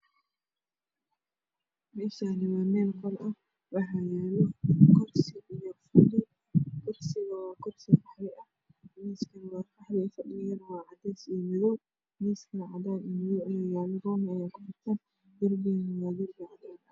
Meshan waa mel qol sh waxayalo kursi io fadhi kursiga waa qaxwi miskan waa qaxwi fadhigan waa cades io madow miskale cadan madow ah aya yalo roomi aya kufisan darbigan waa darbi cadan ah